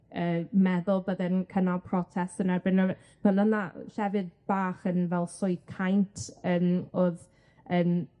yy meddwl bydde'n cynnal protest yn erbyn yr fel yna yy llefydd bach yn fel Swydd Caint yn o'dd yn